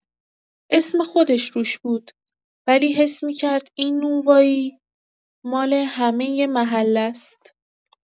اسم خودش روش بود، ولی حس می‌کرد این نونوایی مال همه محله‌ست.